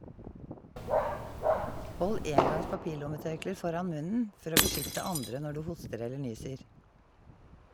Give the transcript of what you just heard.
Hold engangs papirlommetørklær foran munnen for å beskytte andre når du hoster eller nyser.